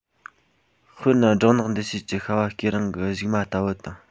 དཔེར ན སྦྲང ནག འདེད བྱེད ཙམ གྱི ཤྭ བ སྐེ རིང གི གཞུག མ ལྟ བུ དང